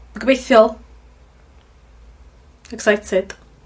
Gobeithiol. Excited.